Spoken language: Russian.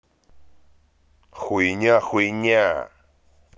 хуйня хуйня